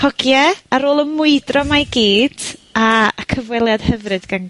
...hogie, ar ôl y mwydro 'ma i gyd, a, y cyfweliad hyfryd gen...